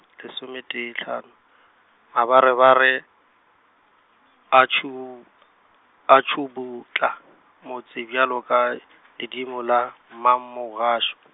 lesometee tlhano, mabarebare, a tšhubu-, a tšubutla, motse bjalo ka, ledimo la mmamogašwa.